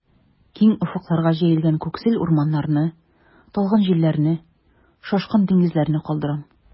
Киң офыкларга җәелгән күксел урманнарны, талгын җилләрне, шашкын диңгезләрне калдырам.